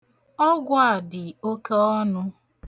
Ọgwụ a dị oke ọnụ.